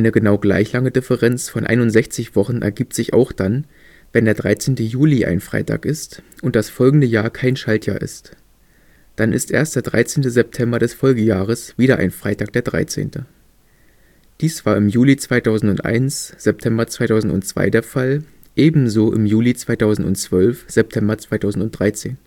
genau gleich lange Differenz von 61 Wochen ergibt sich auch dann, wenn der 13. Juli ein Freitag ist und das folgende Jahr kein Schaltjahr ist. Dann ist erst der 13. September des Folgejahres wieder ein Freitag der 13. Dies war im Juli 2001/September 2002 der Fall, ebenso im Juli 2012/September 2013